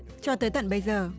cho tới tận bây giờ